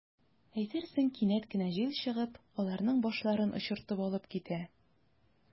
Әйтерсең, кинәт кенә җил чыгып, аларның “башларын” очыртып алып китә.